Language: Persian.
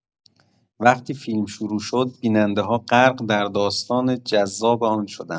وقتی فیلم شروع شد، بیننده‌ها غرق در داستان جذاب آن شدند.